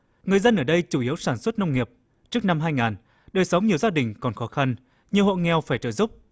người dân ở đây chủ yếu sản xuất nông nghiệp trước năm hai ngàn đời sống nhiều gia đình còn khó khăn nhiều hộ nghèo phải trợ giúp